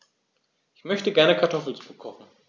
Ich möchte gerne Kartoffelsuppe kochen.